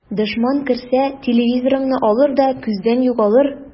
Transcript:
Дошман керсә, телевизорыңны алыр да күздән югалыр.